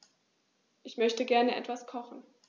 Ich möchte gerne etwas kochen.